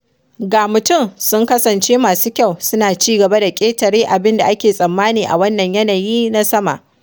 Ga mutum, sun kasance masu kyau, suna ci gaba da ƙetare abin da ake tsammani a wannan yanayin na sama.